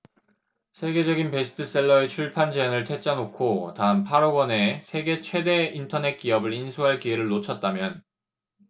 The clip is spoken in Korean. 세계적인 베스트셀러의 출판 제안을 퇴짜놓고 단 팔 억 원에 세계 최대 인터넷 기업을 인수할 기회를 놓쳤다면